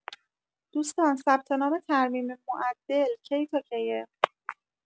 دوستان ثبت‌نام ترمیم معدل کی تا کیه؟